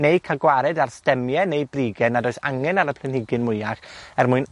neu ca'l gwared ar stemie neu brige nad oes angen ar y planhigyn mwyach er mwyn